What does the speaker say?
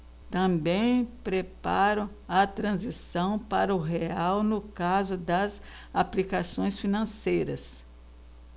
também preparam a transição para o real no caso das aplicações financeiras